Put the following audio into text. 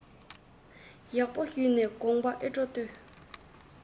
ཡག པོ ཞུས ནས དགོངས པ ཨེ སྤྲོ ལྟོས